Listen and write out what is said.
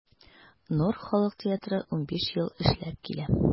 “нур” халык театры 15 ел эшләп килә.